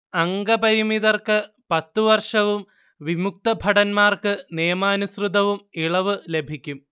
അംഗപരിമിതർക്ക് പത്ത് വർഷവും വിമുക്തഭടന്മാർക്ക് നിയമാനുസൃതവും ഇളവ് ലഭിക്കും